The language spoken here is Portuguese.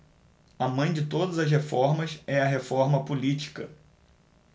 a mãe de todas as reformas é a reforma política